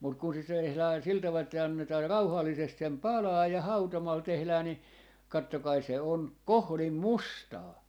mutta kun se - tehdään sillä tavalla että annetaan rauhallisesti sen palaa ja hautomalla tehdään niin katsokaa se on kohdin mustaa